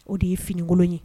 O de ye finikolon ye